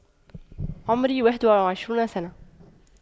عمري واحد وعشرون سنة